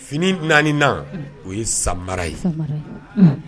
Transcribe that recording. Fini 4 nan o ye samara ye.